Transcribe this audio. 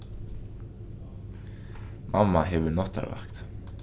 mamma hevur náttarvakt